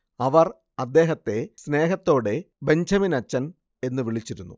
അവർ അദ്ദേഹത്തെ സ്നേഹത്തോടെ ബെഞ്ചമിനച്ചൻ എന്ന് വിളിച്ചിരുന്നു